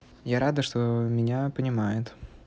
я рада что меня понимает